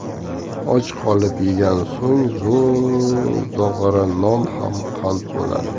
och qolib yegan so'ng zog'ora non ham qand bo'lar